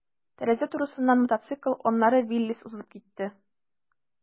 Тәрәзә турысыннан мотоцикл, аннары «Виллис» узып китте.